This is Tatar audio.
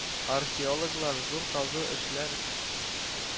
Археологлар зур казу эшләр